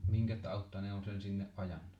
minkä tautta ne on sen sinne ajanut